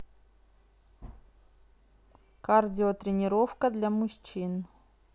кардио тренировка для мужчин